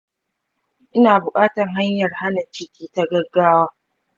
ina bukatar hanyar hana ciki ta gaggawa